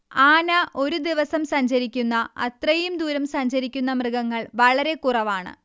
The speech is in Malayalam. ആന ഒരു ദിവസം സഞ്ചരിക്കുന്ന അത്രയും ദൂരം സഞ്ചരിക്കുന്ന മൃഗങ്ങൾ വളരെ കുറവാണ്